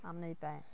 Am wneud be?